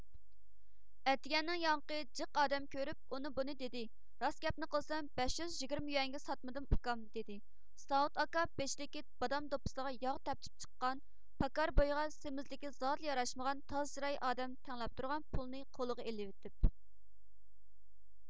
ئەتىگەننىڭياقى جېق ئادەم كۆرۈپ ئۇنى بۇنى دېدى راست گەپنى قىلسام بەش يۈز يىگىرمە يۈەنگە ساتمىدىم ئۇكام دىدى ساۋۇت ئاكا بېشىدىكى بادام دوپپىسىغا ياغ تەپچىپ چىققان پاكار بويىغا سېمىزلىكى زادىلا ياراشمىغان تاز چىراي ئادەم تەڭلەپ تۇرغان پۇلنى قولىغا ئېلىۋېتىپ